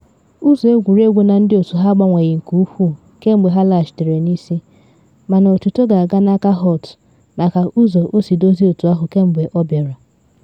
Ụzọ egwuregwu na ndị otu ha agbanweghị nke ukwuu kemgbe ha laghachitere n’isi, mana otito ga-aga n’aka Holt maka ụzọ o si dozie otu ahụ kemgbe ọ bịara.